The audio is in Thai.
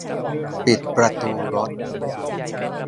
ปิดประตูรถ